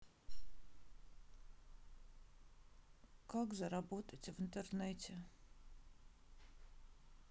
как заработать в интернете